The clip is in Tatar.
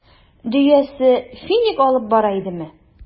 Дөясе финик алып бара идеме?